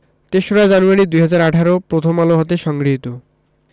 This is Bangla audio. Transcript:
০৩রা জানুয়ারি ২০১৮ প্রথম আলো হতে সংগৃহীত